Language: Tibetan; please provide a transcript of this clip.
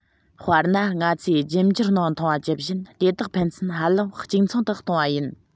དཔེར ན ང ཚོས རྒྱུད འགྱུར ནང མཐོང བ ཇི བཞིན དེ དག ཕན ཚུན ཧ ལམ གཅིག མཚུངས སུ གཏོང བ ཡིན